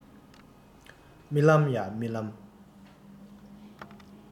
རྨི ལམ ཡ རྨི ལམ